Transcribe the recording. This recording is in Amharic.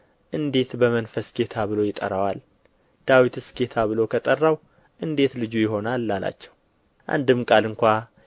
እንዴት በመንፈስ ጌታ ብሎ ይጠራዋል ዳዊትስ ጌታ ብሎ ከጠራው እንዴት ልጁ ይሆናል አላቸው አንድም ቃል ስንኳ